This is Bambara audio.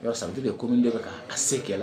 Yɔrɔ san bɛ kɛ ko min don ka' a se kɛlɛ